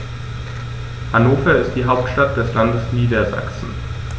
Hannover ist die Hauptstadt des Landes Niedersachsen.